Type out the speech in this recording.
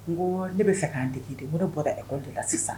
Nko ne bɛ fɛ k'an nko ne bɔra ekɔli de la sisan.